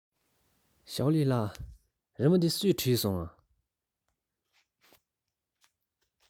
ཞོའོ ལིའི ལགས རི མོ འདི སུས བྲིས སོང ངས